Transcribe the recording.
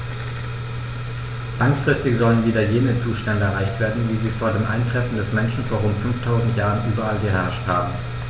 Langfristig sollen wieder jene Zustände erreicht werden, wie sie vor dem Eintreffen des Menschen vor rund 5000 Jahren überall geherrscht haben.